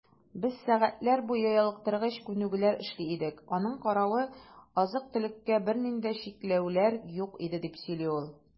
Без сәгатьләр буе ялыктыргыч күнегүләр эшли идек, аның каравы, азык-төлеккә бернинди дә чикләүләр юк иде, - дип сөйли ул.